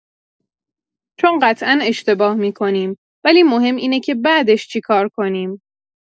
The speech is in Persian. چون قطعا اشتباه می‌کنیم، ولی مهم اینه که بعدش چی کار کنیم.